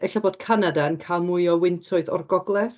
Ella bod Canada'n cael mwy o wyntoedd o'r Gogledd?